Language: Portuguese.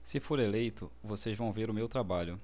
se for eleito vocês vão ver o meu trabalho